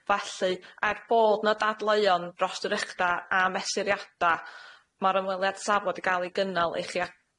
Felly, er bod 'na dadleuon dros yr ychdar a mesuriada, ma'r ymweliad safle 'di ga'l ei gynnal i chi a-